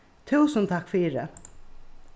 túsund takk fyri